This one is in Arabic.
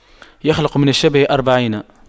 يخلق من الشبه أربعين